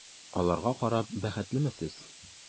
Аларга карап бәхетлеме сез?